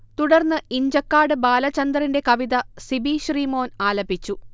തുടർന്ന് ഇഞ്ചക്കാട് ബാലചന്ദറിന്റെ കവിത സിബി ശ്രീമോൻ ആലപിച്ചു